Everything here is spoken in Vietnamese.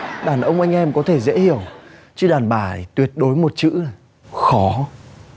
đàn ông anh em có thể dễ hiểu chứ đàn bà tuyệt đối một chữ khó